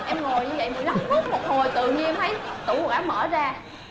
em ngồi như vậy mười năm phút một hồi tự nhiên thấy tử quần áo mở ra